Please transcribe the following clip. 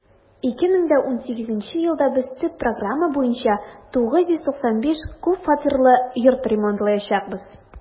2018 елда без төп программа буенча 995 күп фатирлы йорт ремонтлаячакбыз.